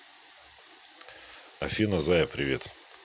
афина зая привет